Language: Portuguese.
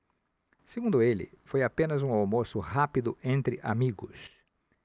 segundo ele foi apenas um almoço rápido entre amigos